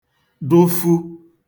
dụfu